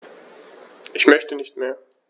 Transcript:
Ich möchte nicht mehr.